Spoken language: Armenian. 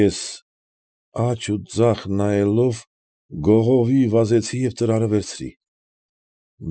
Ես, աջ ու ձախ նայելով, գողովի վազեցի և ծրարը վերցրի։